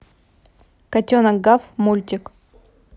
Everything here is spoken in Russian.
котенок гав мультик